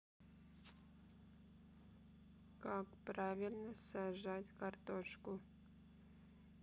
как правильно сажать картошку